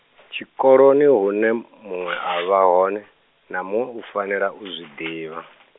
tshikoloni hune muṅwe a vha hone, na muṅwe u fanela u zwi ḓivha.